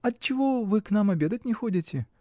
— Отчего вы к нам обедать не ходите?